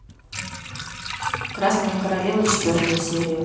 красная королева четвертая серия